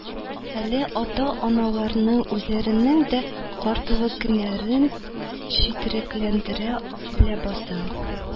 Әле ата-аналарның үзләренең дә картлык көннәрен четерекләндерә ләбаса